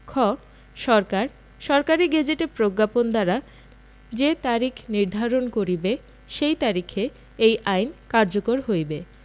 খ সরকার সরকারী গেজেটে প্রজ্ঞাপন দ্বারা যে তারিখ নির্ধারণ করিবে সেই তারিখে এই আইন কার্যকর হইবে